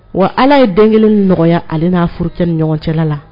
Wa ala ye den kelen nɔgɔya ale n'a furut ni ɲɔgɔn cɛla la